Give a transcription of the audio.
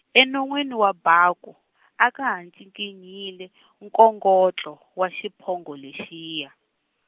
enon'weni wa baku , a ka ha ncikinyile nkongotlo wa xiphongo lexiya.